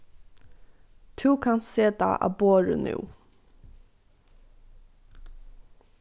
tú kanst seta á borðið nú